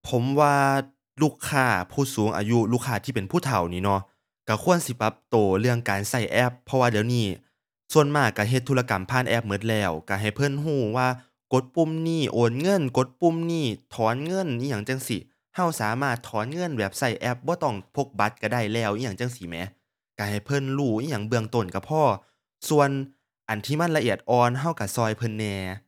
ผมว่าลูกค้าผู้สูงอายุลูกค้าที่เป็นผู้เฒ่านี่เนาะ ก็ควรสิปรับก็เรื่องการก็แอป เพราะว่าเดี๋ยวนี้ส่วนมากก็เฮ็ดธุรกรรมผ่านแอปก็แล้ว ก็ให้เพิ่นก็ว่ากดปุ่มนี้โอนเงิน กดปุ่มนี้ถอนเงินอิหยังจั่งซี้ ก็สามารถถอนเงินแบบก็แอปบ่ต้องพกบัตรก็ได้แล้วอิหยังจั่งซี้แหม ก็ให้เพิ่นรู้อิหยังเบื้องต้นก็พอ ส่วนอันที่มันละเอียดอ่อนก็ก็ก็เพิ่นแหน่